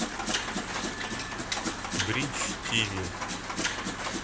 брич тиви